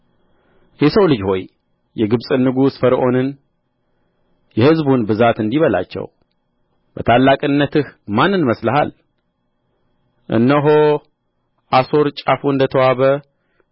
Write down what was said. የሰው ልጅ ሆይ የግብጽን ንጉሥ ፈርዖንንና የሕዝቡን ብዛት እንዲህ በላቸው በታላቅነትህ ማንን መስለሃል እነሆ አሦር ጫፉ እንደ ተዋበ